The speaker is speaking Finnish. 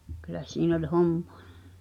kyllä siinä oli hommaa